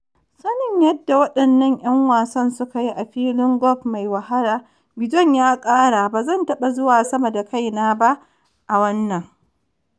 Sanin yadda wadannan ‘yan wasan suka yi a filin golf mai wahala, Bjorn ya kara: “Ba zan taɓa zuwa sama da kaina ba a wannan.